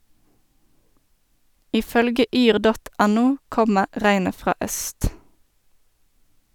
I følge yr.no kommer regnet fra øst.